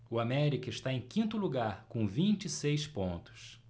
o américa está em quinto lugar com vinte e seis pontos